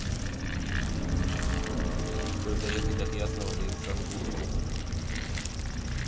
сколько ехать от ясного до исангулова